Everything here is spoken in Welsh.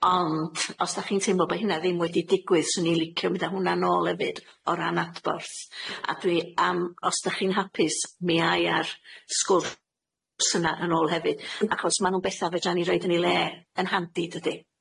Ond os 'dach chi'n teimlo bo' hunna ddim wedi digwydd swn i licio mynd â hwnna nôl hefyd o ran adborth a dwi am os 'dach chi'n hapus mi ai ar sgwrs yna yn ôl hefyd, achos ma' nw'n betha fedran ni roid yn 'i le yn handi dydi?